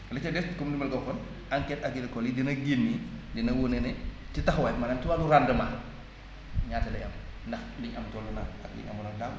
la ca des comme ni ma la ko waxoon enquêtes agricoles yi dina génni dina wane ne ci taxawaay maanaam ci wàllu rendement ñaata lay am ndax li ñu am toll na ak li ñu amoon daaw